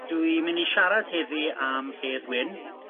dwi'n mynd i siarad heddi' am Hedd Wyn